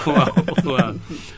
waaw waaw